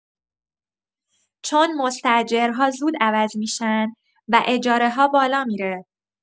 چون مستأجرها زود عوض می‌شن و اجاره‌ها بالا می‌ره.